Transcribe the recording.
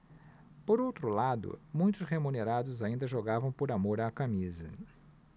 por outro lado muitos remunerados ainda jogavam por amor à camisa